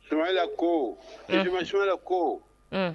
Sula kosla ko